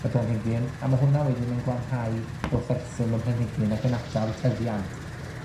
y planhigyn, a ma' hwnna wedyn yn gwanhau wrth reswm y planhigyn, ac yn atal tyfiant.